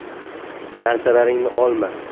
narsalaringni olma